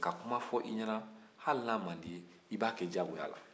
ka kuma f'i ɲena hali n'a man d'i ye ib'a kɛ diyagoya la